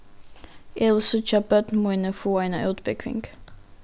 eg vil síggja børn míni fáa eina útbúgving